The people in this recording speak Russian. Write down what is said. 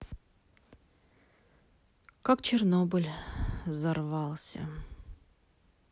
как чернобыль взорвался